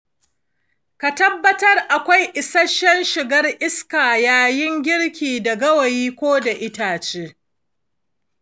a tabbatar akwai isasshen shigar iska yayin girki da gawayi ko itace.